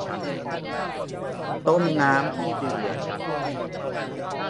ต้มน้ำให้เดือด